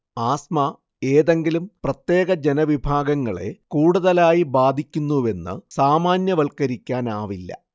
asthma ഏതെങ്കിലും പ്രത്യേക ജനവിഭാഗങ്ങളെ കൂടുതലായി ബാധിക്കുന്നുവെന്ന് സാമാന്യവൽക്കരിക്കാനാവില്ല